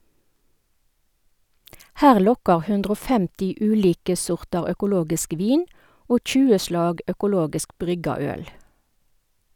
Her lokkar 150 ulike sortar økologisk vin og 20 slag økologisk brygga øl.